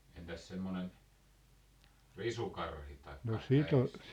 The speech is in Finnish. entäs semmoinen risukarhi tai äes